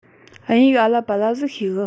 དབྱིན ཡིག ཨ ལ པ ལ ཟིག ཤེས གི